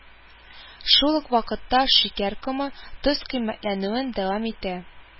Шул ук вакытта шикәр комы, тоз кыйммәтләнүен дәвам итә